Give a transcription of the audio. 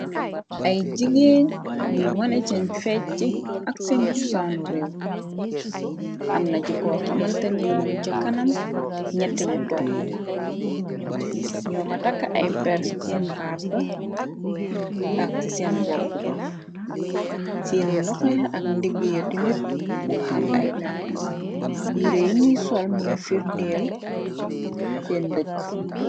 Ay jigeen yuy wane seen feej c ak seen tusaanu réew amna ji ko xamanteni mun ja kanam ñetti na toppuk ñoo nga takka ay per ci seen baar ba ak te seen bopp ba seen loxe ak ndiggye timit mu nga xam ay per yiiré yunuy sol moy firdeel seen dëkk.